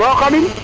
waaw Khadim